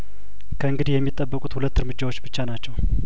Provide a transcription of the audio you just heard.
ከእንግዲህ የሚጠበቁት ሁለት እርምጃዎች ብቻ ናቸው